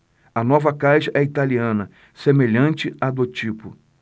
a nova caixa é italiana semelhante à do tipo